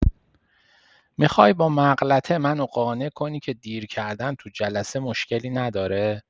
می‌خوای با مغلطه، منو قانع کنی که دیر کردن تو جلسه مشکلی نداره؟